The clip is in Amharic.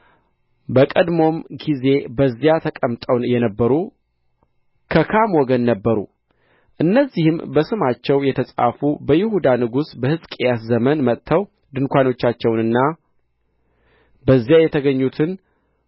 በቀድሞም ጊዜ በዚያ ተቀምጠው የነበሩ ከካም ወገን ነበሩ እነዚህም በስማቸው የተጻፉ በይሁዳ ንጉሥ በሕዝቅያስ ዘመን መጥተው ድንኳኖቻቸውንና በዚያ የተገኙትን